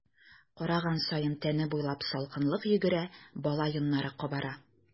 Караган саен тәне буйлап салкынлык йөгерә, бала йоннары кабара.